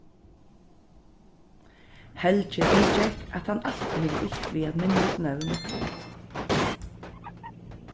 helgi viðgekk at hann altíð hevur ilt við at minnast nøvn